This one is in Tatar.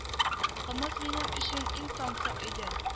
Кымыз минем өчен иң тансык иде